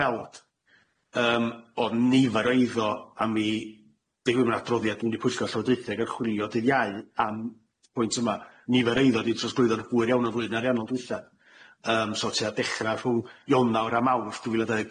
weld yym o'dd nifer o eiddo a mi digwydd ma'n adroddiad mynd i pwyllgo llywodraetheg yn chwilio dydd Iau am pwynt yma nifer eiddo ydi trosglwyddo'n fwyr iawn yn flwyddyn ariannol dwitha yym so tua dechra rhwng Ionawr a Mawrth dwy fil a dau ddeg